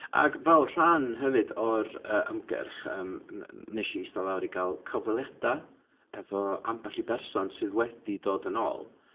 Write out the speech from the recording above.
Ac fel rhan hefyd o'r yy ymgyrch yym wnes i eistedd lawr i gael cyfweliadau efo ambell i berson sydd wedi dod yn ôl.